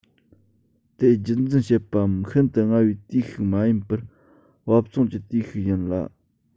དེ རྒྱུད འཛིན བྱེད པའང ཤིན ཏུ སྔ བའི དུས ཤིག མ ཡིན པར བབ མཚུངས ཀྱི དུས ཤིག ཡིན ལ